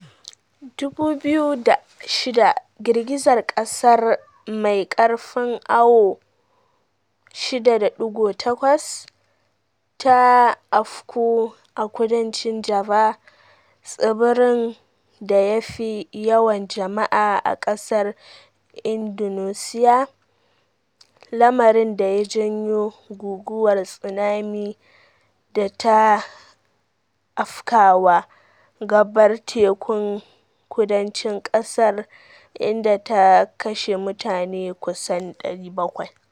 2006: Girgizar ƙasar mai ƙarfin awo 6.8 ta afku a kudancin Java, tsibirin da ya fi yawan jama'a a ƙasar Indonesiya, lamarin da ya janyo guguwar tsunami da ta afkawa gabar tekun kudancin kasar, inda ta kashe mutane kusan 700.